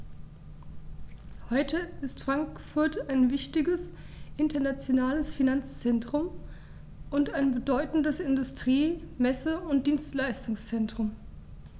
Heute ist Frankfurt ein wichtiges, internationales Finanzzentrum und ein bedeutendes Industrie-, Messe- und Dienstleistungszentrum.